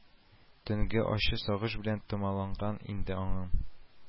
Төнге ачы сагыш белән Томаланган инде аңым